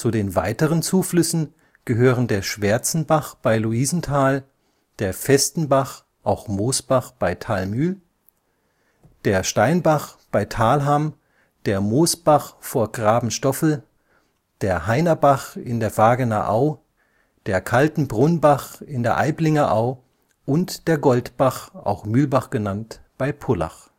den weiteren Zuflüssen gehören der Schwärzenbach bei Louisenthal, der Festenbach (auch Moosbach) bei Thalmühl, der Steinbach bei Thalham, der Moosbach vor Grabenstoffl, der Hainerbach in der Vagener Au, der Kaltenbrunnbach in der Aiblinger Au und der Goldbach (auch Mühlbach) bei Pullach